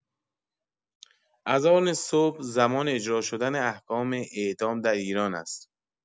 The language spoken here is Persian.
اذان صبح زمان اجرا شدن احکام اعدام در ایران است.